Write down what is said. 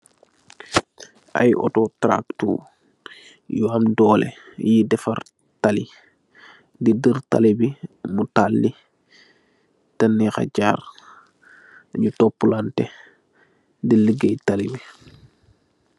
Ay Otto traktor yu am dolleh yi defarr tali, di dèrr tali bi mu talli tey nexa jarr ñu topu lanteh di ligeey tali bi.